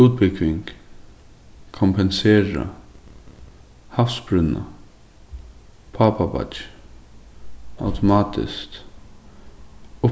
útbúgving kompensera havsbrúnna pápabeiggi automatiskt